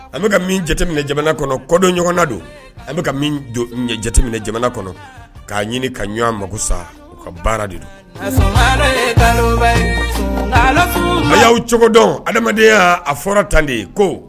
An bɛka ka jateminɛ jamana kɔnɔ kɔdon ɲɔgɔnna don an bɛka ka jateminɛ jamana kɔnɔ k'a ɲini ka ɲɔgɔn mako sa u ka baara de don ala a y'aw cogo dɔn adamadenya' a fɔra tan de ye ko